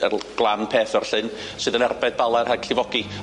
yr l- glan peth o'r llyn sydd yn arbed Bala rhag llifogi